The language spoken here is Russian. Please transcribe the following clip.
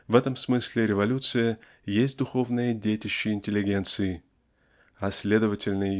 В этом смысле революция есть духовное детище интеллигенции а следовательно